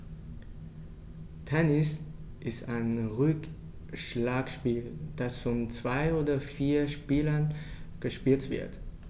Tennis ist ein Rückschlagspiel, das von zwei oder vier Spielern gespielt wird.